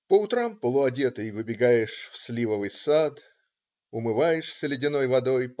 По утрам полуодетый выбегаешь в сливовый сад, умываешься ледяной водой.